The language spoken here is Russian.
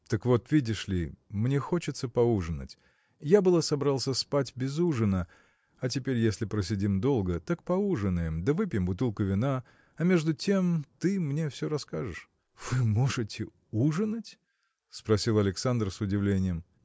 – Так вот видишь ли: мне хочется поужинать. Я было собрался спать без ужина а теперь если просидим долго так поужинаем да выпьем бутылку вина а между тем ты мне все расскажешь. – Вы можете ужинать? – спросил Александр с удивлением.